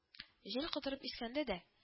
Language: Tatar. Җил котырып искәндә дә